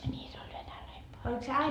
niin se oli venäläinen paimen